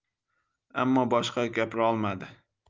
ammo boshqa gapirolmadi